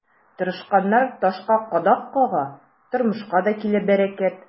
Тырышканнар ташка кадак кага, тормышка да килә бәрәкәт.